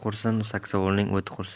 saksovulning o'ti qursin